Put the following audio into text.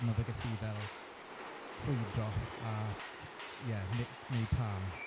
Mae fe'n gallu fel ffrwydro a ie ne- wneud tân.